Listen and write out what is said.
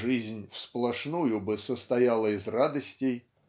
"жизнь всплошную бы состояла из радостей